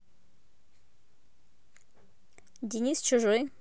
денис чужой